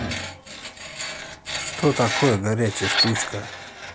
что такое горячая штучка